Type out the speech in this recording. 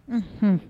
Unhun